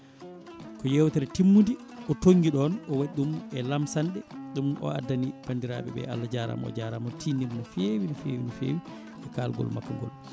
ko yewtere timmude o tonggui ɗon o waɗi ɗum e lamsanɗe ɗum o addani bandiraɓe Allah jarama o jarama o tinnima no fewi no fewi no fewi e kalgol makko ngol